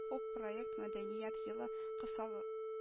Бу проект Мәдәният елы кыса